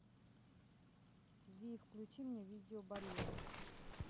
ви включи мне видео барьер